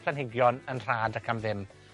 planhigion yn rhad ac am ddim.